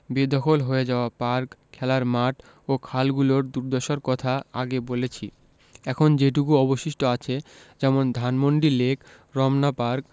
বেদখল হয়ে যাওয়া পার্ক খেলার মাঠ ও খালগুলোর দুর্দশার কথা আগে বলেছি এখন যেটুকু অবশিষ্ট আছে যেমন ধানমন্ডি লেক রমনা পার্ক